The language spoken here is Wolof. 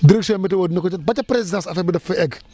direction météo dina ko jot ba ca présidence affaire bi daf fay egg